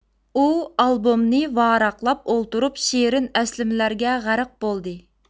ئۇ ئالبومنى ۋاراقلاپ ئولتۇرۇپ شېرىن ئەسلىمىلەرگە غەرق بولدى